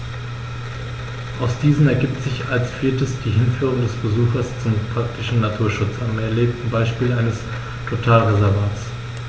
Aus diesen ergibt sich als viertes die Hinführung des Besuchers zum praktischen Naturschutz am erlebten Beispiel eines Totalreservats.